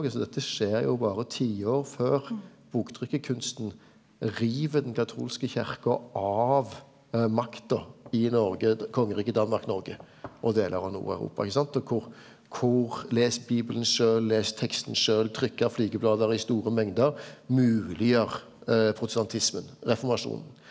altså dette skjer jo berre tiår før boktrykkarkunsten riv den katolske kyrkja av makta i Noreg kongeriket Danmark-Noreg og delar av Nord-Europa ikkje sant og kor kor les bibelen sjølv les teksten sjølv trykkar flygeblad i store mengder mogleggjer protestantismen reformasjonen.